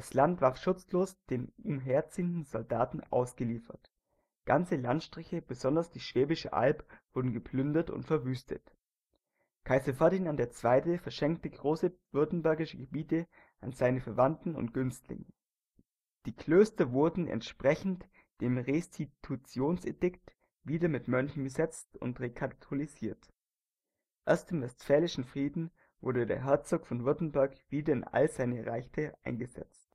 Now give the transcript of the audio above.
Land war schutzlos den umherziehenden Soldaten ausgeliefert. Ganze Landstriche – besonders die Schwäbische Alb – wurden geplündert und verwüstet. Kaiser Ferdinand II. verschenkte große württembergische Gebiete an seine Verwandten und Günstlinge. Die Klöster wurden entsprechend dem Restitutionsedikt wieder mit Mönchen besetzt und rekatholisiert. Erst im Westfälischen Frieden wurde der Herzog von Württemberg wieder in all seine Rechte eingesetzt